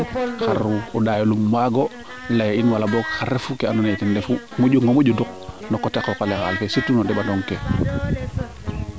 xar o ndaayo lum waago leya in wala boog xar refu ke ando naye ten moƴonga moƴo nduq no coté qoqale xaal fe surtout no neɓanong ke